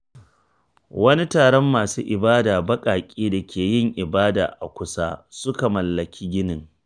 Wani taron masu ibada baƙaƙe da ke yin ibada a kusa suka mallaki ginin.